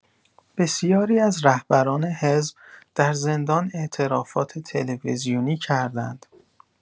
بسیاری از رهبران حزب در زندان اعترافات تلویزیونی کردند.